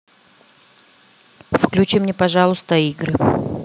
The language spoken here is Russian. включи мне пожалуйста игры